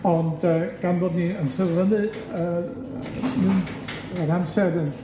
Ond yy gan bod ni yn terfynu yy 'n ma'r amser yn